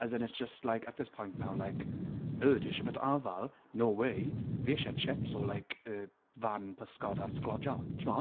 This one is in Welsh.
As in, it's just like, at this point now like, yy ti isie byta afal? No way, fi isie tsips o like y fan pysgod a sglodion, chimod?